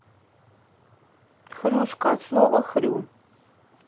хрюшка от слова хрю